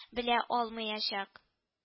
Белә алмаячак